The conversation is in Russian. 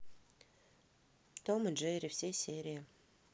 том и джерри все серии